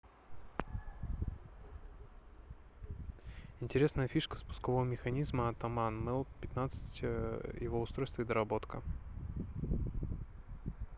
интересная фишка спускового механизма атаман мэл пятнадцать его устройство и доработка